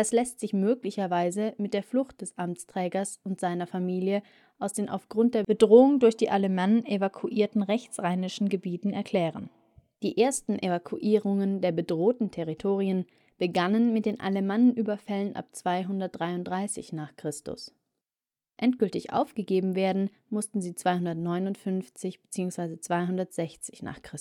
lässt sich möglicherweise mit der Flucht des Amtsträgers und seiner Familie aus den aufgrund der Bedrohung durch die Alemannen evakuierten rechtsrheinischen Gebieten erklären. Die ersten Evakuierungen der bedrohten Territorien begannen mit den Alemannenüberfällen ab 233 n. Chr. endgültig aufgegeben werden mussten sie 259/260